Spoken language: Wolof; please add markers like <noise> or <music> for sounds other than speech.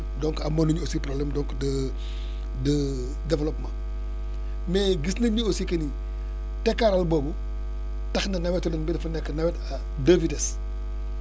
donc amoon nañu aussi problème donc de <breath> de <hesitation> développement mais gis nañ ni aussi que ni tekkaaral boobu tax na nawetu ren bi dafa nekk nawet à deux vitesse